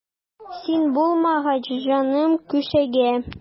Син булмагач җаным күшегә.